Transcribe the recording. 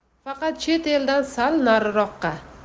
faqat chet eldan sal nariroqqa